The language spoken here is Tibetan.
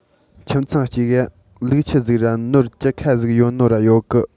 ཁྱིམ ཚང གཅིག ག ལུག ཁྱུ ཟིག ར ནོར བཅུ ཁ ཟིག ཡོད ནོ ར ཡོད གི